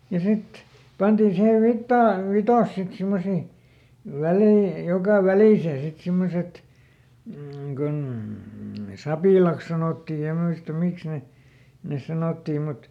ja sitten pantiin siihen - vitsas sitten semmoisiin väleihin joka väliseen sitten semmoiset mm kun sapilaiksi sanottiin ja muista miksi ne ne sanottiin mutta